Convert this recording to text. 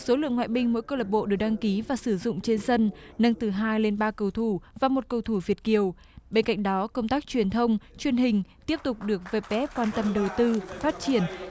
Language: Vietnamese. số lượng ngoại binh mỗi câu lạc bộ được đăng ký và sử dụng trên sân nâng từ hai lên ba cầu thủ và một cầu thủ việt kiều bên cạnh đó công tác truyền thông truyền hình tiếp tục được vê pê ép quan tâm đầu tư phát triển